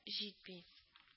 Җитми